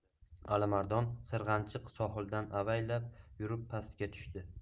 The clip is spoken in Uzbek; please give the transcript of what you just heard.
alimardon sirg'anchiq sohildan avaylab yurib pastga tushdi